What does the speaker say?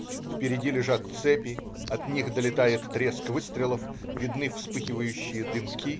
Впереди лежат цепи, от них долетает треск выстрелов, видны вспыхивающие дымки.